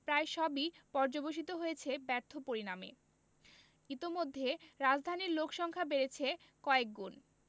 প্রায় সবই পর্যবসিত হয়েছে ব্যর্থ পরিণামে ইতোমধ্যে রাজধানীর লোকসংখ্যা বেড়েছে কয়েকগুণ